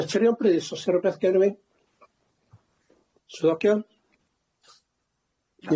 Materion brys o's 'na rwbath gen rywun? Swyddogion?